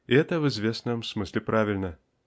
и это в известном смысле правильно.